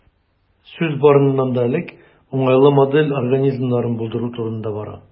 Сүз, барыннан да элек, уңайлы модель организмнарын булдыру турында бара.